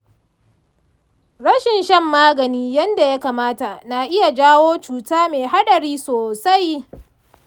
rashin shan magani yadda ya kamata na iya jawo cuta mai haɗari sosai.